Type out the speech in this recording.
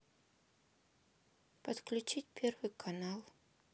подключить первый канал